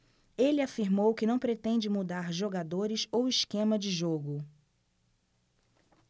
ele afirmou que não pretende mudar jogadores ou esquema de jogo